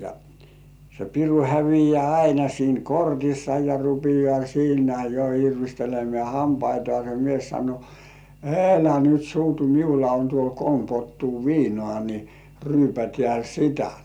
ja se piru häviää aina siinä kortissa ja rupeaa siinä jo irvistelemään hampaitansa mies sanoi älä nyt suutu minulla on tuolla kolme pottua viinaa niin ryypätään sitä